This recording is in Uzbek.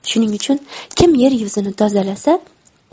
shuning uchun kim yer yuzini tozalasa